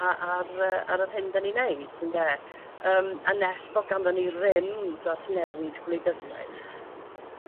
a- ar y ar yr hyn 'dan ni neud ynde yym a nes bo' ganddon ni rym dros newid gwleidyddiaeth